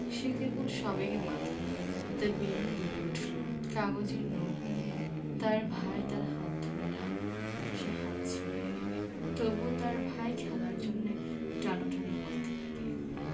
সে কেবল সবেগে মাথা নাড়ল তার বেণী দুলে উঠল কাগজের নৌকো নিয়ে তার ভাই তার হাত ধরে টানলে সে হাত ছিনিয়ে নিলে তবু তার ভাই খেলার জন্যে টানাটানি করতে লাগলে